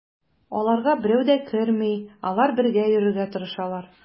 Аларга берәү дә керми, алар бергә йөрергә тырышалар.